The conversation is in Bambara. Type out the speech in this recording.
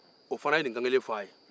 a fana ye nin kankele fɔ a ye